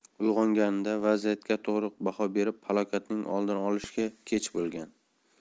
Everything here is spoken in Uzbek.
uyg'onganida vaziyatga to'g'ri baho berib halokatning oldini olishga kech bo'lgan